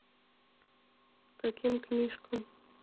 каким книжкам